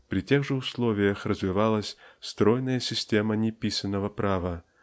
при тех же условиях развивалась стройная система неписаного права